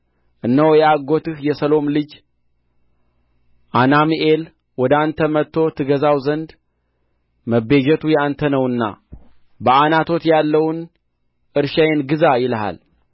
እነሆ የአጐትህ የሰሎም ልጅ አናምኤል ወደ አንተ መጥቶ ትገዛው ዘንድ መቤዠቱ የአንተ ነውና በዓናቶት ያለውን እርሻዬን ግዛ ይልሃል